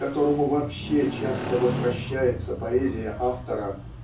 к которому вообще часто возвращается поэзия автора